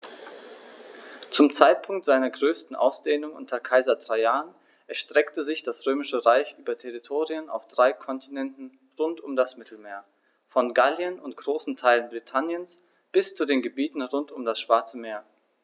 Zum Zeitpunkt seiner größten Ausdehnung unter Kaiser Trajan erstreckte sich das Römische Reich über Territorien auf drei Kontinenten rund um das Mittelmeer: Von Gallien und großen Teilen Britanniens bis zu den Gebieten rund um das Schwarze Meer.